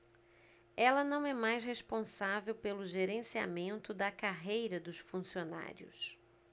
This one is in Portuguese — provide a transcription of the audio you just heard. ela não é mais responsável pelo gerenciamento da carreira dos funcionários